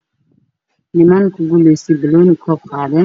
Ninan ku guulaysteen banooni koob qaadeen.